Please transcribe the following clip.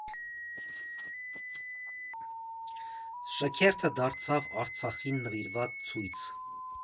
Շքերթը դարձավ Արցախին նվիրված ցույց։